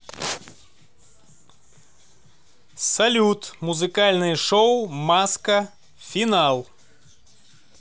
салют музыкальные шоу маска финал